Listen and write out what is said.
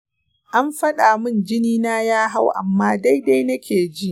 an faɗa min jini na ya hau amma daidai nake ji.